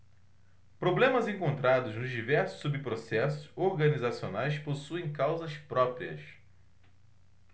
problemas encontrados nos diversos subprocessos organizacionais possuem causas próprias